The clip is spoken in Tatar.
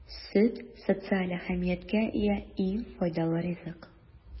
Сөт - социаль әһәмияткә ия иң файдалы ризык.